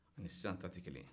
o ni sisan ta tɛ kelen ye